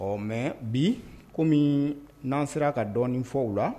Ɔ mais bi comme n'an sera ka dɔɔnin fɔ u la.